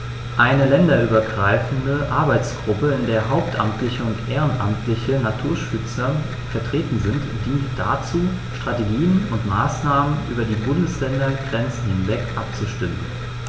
Eine länderübergreifende Arbeitsgruppe, in der hauptamtliche und ehrenamtliche Naturschützer vertreten sind, dient dazu, Strategien und Maßnahmen über die Bundesländergrenzen hinweg abzustimmen.